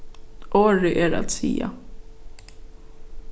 orðið er at siga